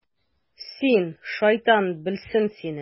Син, шайтан белсен сине...